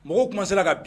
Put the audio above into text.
Mɔgɔw kuma sera ka